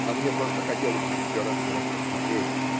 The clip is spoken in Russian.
А мне просто хотелось еще раз на вас посмотреть.